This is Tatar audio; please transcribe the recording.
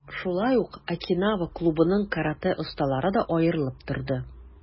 Шулай ук, "Окинава" клубының каратэ осталары да аерылып торды.